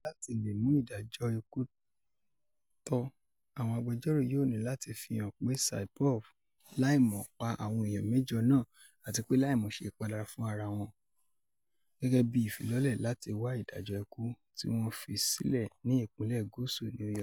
Láti lè mú ìdájọ́ ikú tọ́, àwọn agbẹjọ́rò yóò ní láti fi hàn pé Saipov "láìmọ́" pa àwọn èèyàn mẹ́jọ náà àti pé "láìmọ́" ṣe ìpalára fún ara wọn, gẹ́gẹ́ bí ìfilọ́lẹ̀ láti wá ìdájọ́ ikú, tí wọ́n fi sílẹ̀ ní Ìpínlẹ̀ Gúúsù New York.